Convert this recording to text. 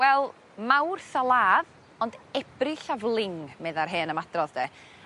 Wel Mawrth a ladd ond Ebrill a fling medd ar hen ymadrodd 'de.